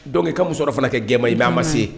Dɔn'i ka muso dɔ fana kɛ gɛn ma i b' an ma se